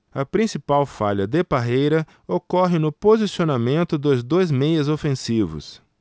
a principal falha de parreira ocorre no posicionamento dos dois meias ofensivos